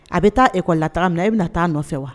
A be taa école la taga min na e bena taa a nɔfɛ wa